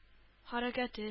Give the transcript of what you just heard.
Хәрәкәте